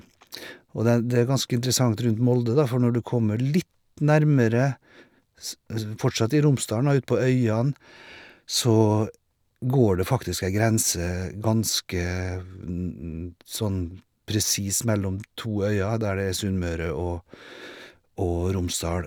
Og den det er ganske interessant rundt Molde, da, for når du kommer litt nærmere s esv fortsatt i Romsdalen og utpå øyene, så går det faktisk ei grense ganske v n nd sånn presis mellom to øyer, der det er Sunnmøre og og Romsdal.